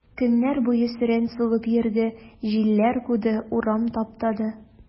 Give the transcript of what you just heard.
Көннәр буе сөрән сугып йөрде, җилләр куды, урам таптады.